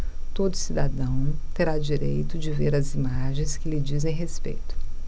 todo cidadão terá direito de ver as imagens que lhe dizem respeito